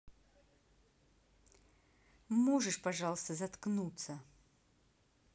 можешь пожалуйста заткнуться